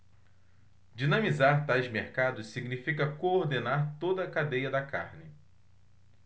dinamizar tais mercados significa coordenar toda a cadeia da carne